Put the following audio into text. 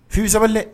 Fibisa dɛ